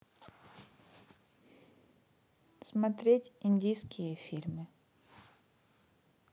смотреть индийские фильмы